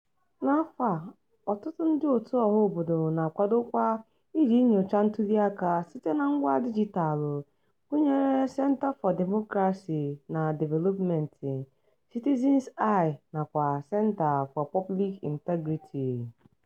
N'afọ a, ọtụtụ ndịòtù ọhaobodo na-akwadokwa iji nyochaa ntuliaka site na ngwa dijitaalụ, gụnyere Center for Democracy and Development, Citizen's Eye nakwa Center for Public Integrity.